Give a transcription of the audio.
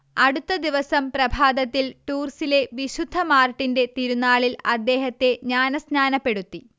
അടുത്ത ദിവസം പ്രഭാതത്തിൽ ടൂർസിലെ വിശുദ്ധ മാർട്ടിന്റെ തിരുനാളിൽ അദ്ദേഹത്തെ ജ്ഞാനസ്നാനപ്പെടുത്തി